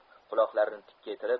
quloqlarini tikkaytirib